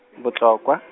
Botlokwa .